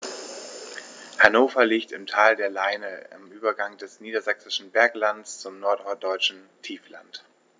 Hannover liegt im Tal der Leine am Übergang des Niedersächsischen Berglands zum Norddeutschen Tiefland.